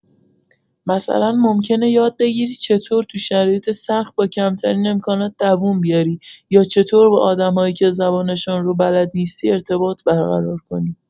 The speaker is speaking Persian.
مثلا ممکنه یاد بگیری چطور تو شرایط سخت با کمترین امکانات دووم بیاری، یا چطور با آدم‌هایی که زبانشون رو بلد نیستی ارتباط برقرار کنی.